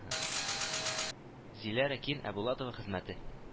Зиләрә Кин әбулатова хезмәте